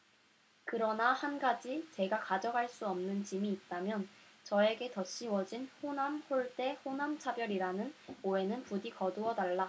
그러나 한 가지 제가 가져갈 수 없는 짐이 있다며 저에게 덧씌워진 호남홀대 호남차별이라는 오해는 부디 거두어 달라